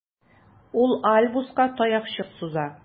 Ул Альбуска таякчык суза.